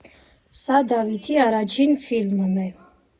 Սա Դավիթի առաջին ֆիլմն է.